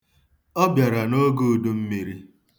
Ọ bịara n'oge udummiri.